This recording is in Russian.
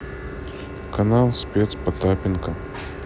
канал спец потапенко